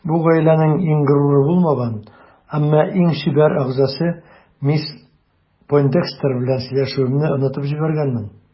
Бу гаиләнең иң горуры булмаган, әмма иң чибәр әгъзасы мисс Пойндекстер белән сөйләшүемне онытып җибәргәнмен.